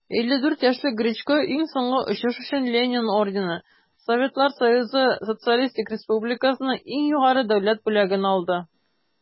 54 яшьлек гречко иң соңгы очыш өчен ленин ордены - сссрның иң югары дәүләт бүләген алды.